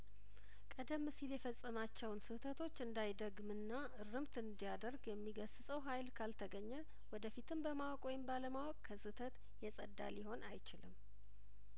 ቀደም ሲል የፈጸማቸውን ስህተቶች እንዳይደግምና እርምት እንዲያደርግ የሚገስጸው ሀይል ካልተገኘ ወደፊትም በማወቅ ወይም ባለማወቅ ከስህተት የጸዳ ሊሆን አይችልም